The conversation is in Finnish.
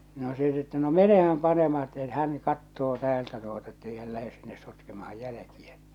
no se sitten että no menehän panemaan että se hän katsoo täältä tuota että ei hän lähde sinne sotkemaan jälkiä